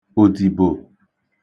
òdìbò